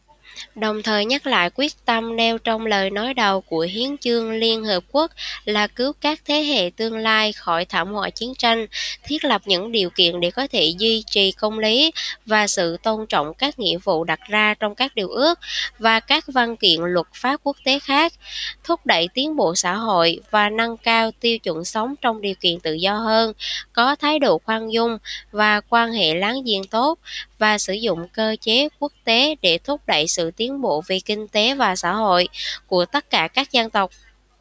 đồng thời nhắc lại quyết tâm nêu trong lời nói đầu của hiến chương liên hợp quốc là cứu các thế hệ tương lai khỏi thảm họa chiến tranh thiết lập những điều kiện để có thể duy trì công lý và sự tôn trọng các nghĩa vụ đặt ra trong các điều ước và các văn kiện luật pháp quốc tế khác thúc đẩy tiến bộ xã hội và nâng cao tiêu chuẩn sống trong điều kiện tự do hơn có thái độ khoan dung và quan hệ láng giềng tốt và sử dụng cơ chế quốc tế để thúc đẩy sự tiến bộ về kinh tế và xã hội của tất cả các dân tộc